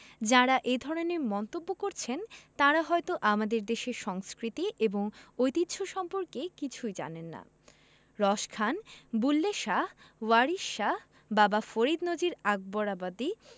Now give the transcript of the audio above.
যাঁরা এ ধরনের মন্তব্য করছেন তাঁরা হয়তো আমাদের দেশের সংস্কৃতি এবং ঐতিহ্য সম্পর্কে কিছুই জানেন না রস খান বুল্লে শাহ ওয়ারিশ শাহ বাবা ফরিদ নজির আকবরাবাদি